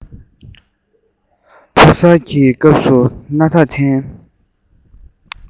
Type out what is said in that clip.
ཕོ གསར གྱི སྐབས སུ སྣ ཐ འཐེན